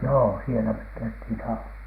joo siellä me käytiin saunassa